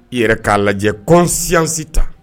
I yɛrɛ k'a lajɛ kɔnsisi ta